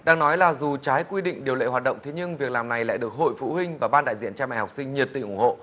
đáng nói là dù trái quy định điều lệ hoạt động thế nhưng việc làm này lại được hội phụ huynh và ban đại diện cha mẹ học sinh nhiệt tình ủng hộ